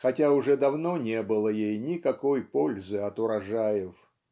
хотя уже давно не было ей никакой пользы от урожаев"